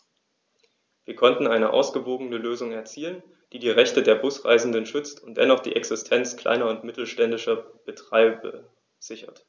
Wir konnten eine ausgewogene Lösung erzielen, die die Rechte der Busreisenden schützt und dennoch die Existenz kleiner und mittelständischer Betreiber sichert.